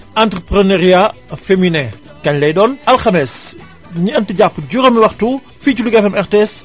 entreprenariat féminin kañ lay doon alxames ñent jàpp juróomi waxtu fii ci Louga FM RTS